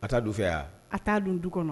A t' don fɛ yan a' don du kɔnɔ